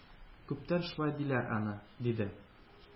-күптән шулай диләр аны,- диде.